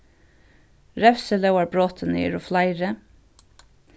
revsilógarbrotini eru fleiri